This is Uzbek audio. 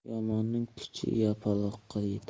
yomonning kuchi yapaloqqa yetar